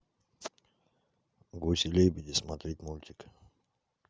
гуси лебеди смотреть мультик